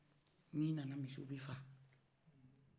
n'i nana misiw b'ɛ faa